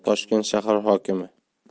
toshkent shahar hokimi